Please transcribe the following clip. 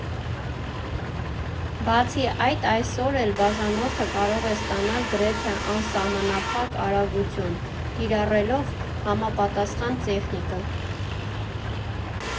Բացի այդ, այսօր էլ բաժանորդը կարող է ստանալ գրեթե անսահմանափակ արագություն՝ կիրառելով համապատասխան տեխնիկա։